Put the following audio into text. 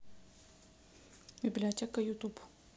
библиотека ютуб